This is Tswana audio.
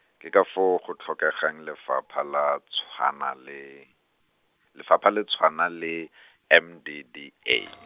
ke ka foo go tlhokegang lefapha la tshwana le, lefapha le tshwana le , M D D A.